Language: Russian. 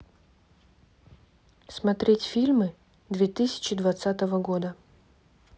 смотреть фильмы две тысячи двадцатого года